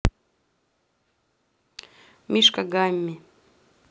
мишка гамми